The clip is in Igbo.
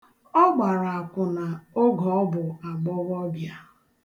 Ọ gbara akwụna oge ọ bụ agbọghọbịa.